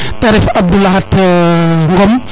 te ref Abdou Lakhat Ngom